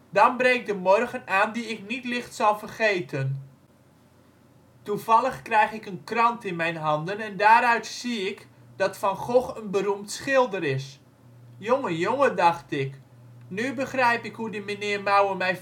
Dan breekt de morgen aan die ik niet licht zal vergeten. Toevallig krijg ik een krant in mijn handen en daaruit zie ik dat Van Gogh een beroemd schilder is. Jonge, jonge dacht ik, nu begrijp ik hoe die meneer Mouwen mij